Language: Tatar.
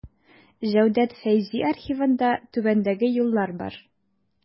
Җәүдәт Фәйзи архивында түбәндәге юллар бар.